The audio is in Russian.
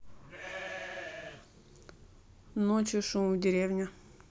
ночью шум в деревне